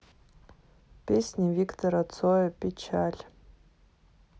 песня виктора цоя печаль